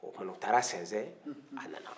o tumana u taa sinsin a nana